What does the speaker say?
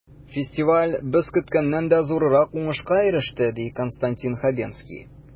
Фестиваль без көткәннән дә зуррак уңышка иреште, ди Константин Хабенский.